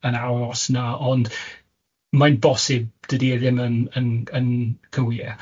yn aros na, ond, mae'n bosib dydi e ddim yn yn c- yn cywir yy